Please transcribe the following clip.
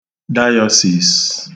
dayọsìs